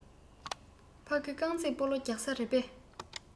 ཕ གི རྐང རྩེད སྤོ ལོ རྒྱག ས རེད པས